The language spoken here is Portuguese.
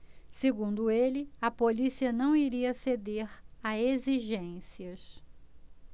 segundo ele a polícia não iria ceder a exigências